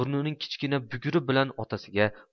burnining kichkina bugri bilan otasiga